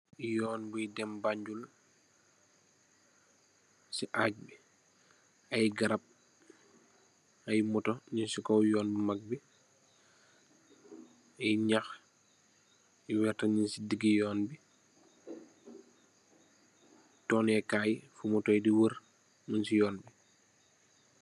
Yunn boi dem Banjul si arch bi ay garab ay moto nyun si kaw yuun bo mag aii nxaax yu werta nyun si digi yuun bi trune kai fo motoi dex worr mung si yuun bi.